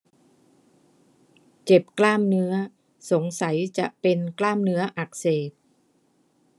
เจ็บกล้ามเนื้อสงสัยจะเป็นกล้ามเนื้ออักเสบ